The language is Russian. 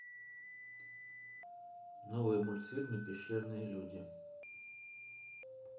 новые мультфильмы пещерные люди